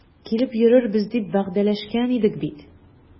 Килеп йөрербез дип вәгъдәләшкән идек бит.